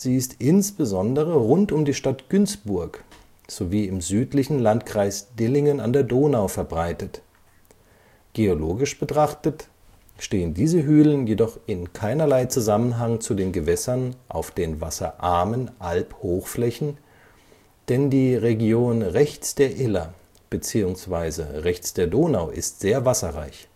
ist insbesondere rund um die Stadt Günzburg sowie im südlichen Landkreis Dillingen an der Donau verbreitet. Geologisch betrachtet stehen diese Hühlen jedoch in keinerlei Zusammenhang zu den Gewässern auf den wasserarmen Albhochflächen, denn die Region rechts der Iller beziehungsweise rechts der Donau ist sehr wasserreich